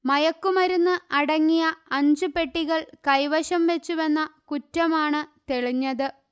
മയക്കുമരുന്ന്അടങ്ങിയ അഞ്ചു പെട്ടികൾ കൈവശം വച്ചുവെന്ന കുറ്റമാണ് തെളിഞ്ഞത്